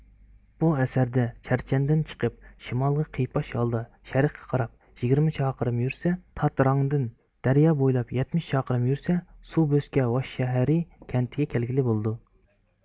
بۇ ئەسەردە چەرچەندىن چىقىپ شىمالغان قىيپاش ھالدا شەرققە قاراپ يىگىرمە چاقىرىم يۈرسە تاتراڭدىن دەريا بويلاپ يەتمىش چاقىرىم يۈرسە سۇ بۆسكە ۋاششەھىرى كەنتىگە كەلگىلى بولىدۇ